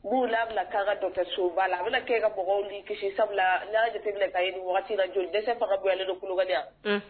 N'u'a bila k' ka dɔ soba la a bɛna kɛ ka bɔ ni kisi sabula n' jate minɛ ka ni waati jɔn dɛsɛ fanga blen don kulubali yan